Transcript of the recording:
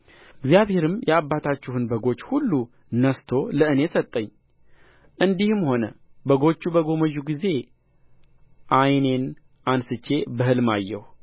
እግዚአብሔርም የአባታችሁን በጎች ሁሉ ነሥቶ ለእኔ ሰጠኝ እንዲህም ሆነ በጎቹ በጎመጁ ጊዜ ዓይኔን አንሥቼ በሕልም አየሁ